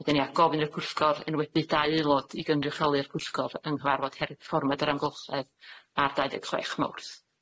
Wedyn ia, gofyn i'r pwyllgor enwebu dau aelod i gynrychioli'r pwyllgor yng nghyfarfod herio perfformiad yr amgylchedd ar dau deg chwech Mowrth.